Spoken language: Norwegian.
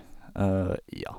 Ja.